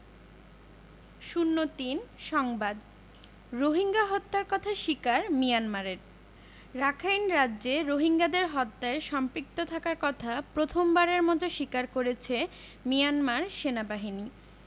০৩ সংবাদ রোহিঙ্গা হত্যার কথা স্বীকার মিয়ানমারের রাখাইন রাজ্যে রোহিঙ্গাদের হত্যায় সম্পৃক্ত থাকার কথা প্রথমবারের মতো স্বীকার করেছে মিয়ানমার সেনাবাহিনী